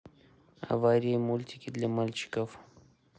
аварии мультики для мальчиков